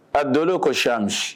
A don ko siyami